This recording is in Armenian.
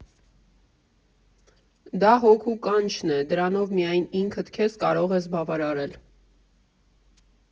Դա հոգու կանչն է, դրանով միայն ինքդ քեզ կարող ես բավարարել։